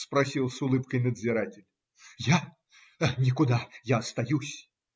- спросил с улыбкой надзиратель. - Я? Никуда. Я остаюсь.